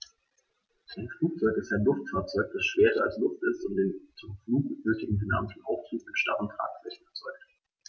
Ein Flugzeug ist ein Luftfahrzeug, das schwerer als Luft ist und den zum Flug nötigen dynamischen Auftrieb mit starren Tragflächen erzeugt.